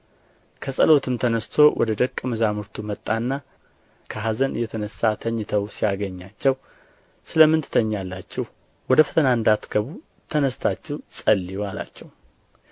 ከጸሎትም ተነሥቶ ወደ ደቀ መዛሙርቱ መጣና ከኀዘን የተነሣ ተኝተው ሲያገኛቸው ስለ ምን ትተኛላችሁ ወደ ፈተና እንዳትገቡ ተነሥታችሁ ጸልዩ አላቸው